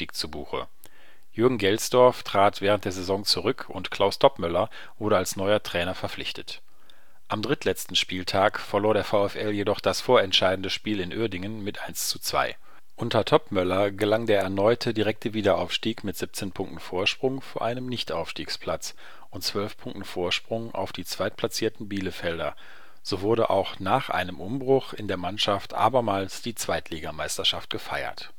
zu Buche. Jürgen Gelsdorf trat während der Saison zurück und Klaus Toppmöller wurde als neuer Trainer verpflichtet. Am drittletzten Spieltag verlor der VfL jedoch das vorentscheidende Spiel in Uerdingen mit 1:2. Unter Toppmöller gelang der erneute direkte Wiederaufstieg, mit 17 Punkten Vorsprung vor einem Nichtaufstiegsplatz und 12 Punkten Vorsprung auf die zweitplatzierten Bielefelder wurde auch nach einem Umbruch in der Mannschaft abermals die Zweitligameisterschaft gefeiert